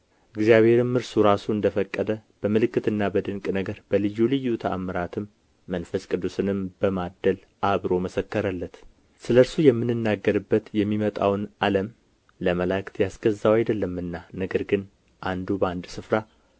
እግዚአብሔርም እርሱ ራሱ እንደ ፈቀደ በምልክትና በድንቅ ነገር በልዩ ልዩ ተአምራትም መንፈስ ቅዱስንም በማደል አብሮ መሰከረለት ስለ እርሱ የምንናገርበትን የሚመጣውን ዓለም ለመላእክት ያስገዛው አይደለምና ነገር ግን አንዱ በአንድ ስፍራ